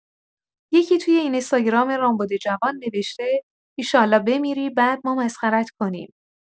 یکی تو اینستاگرام رامبد جوان نوشته ایشالا بمیری بعد ما مسخره‌ت کنیم.